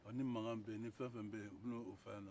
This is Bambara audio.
ni mankan bɛ yen ni fɛn o fɛn bɛ yen u bɛ n'o f'an ɲɛna